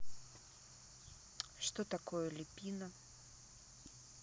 что такое липина